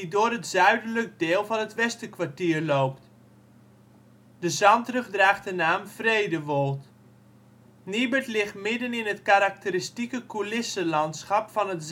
door het zuidelijk deel van het Westerkwartier loopt. De zandrug draagt de naam Vredewold. Niebert ligt midden in het karakteristieke coulisselandschap van het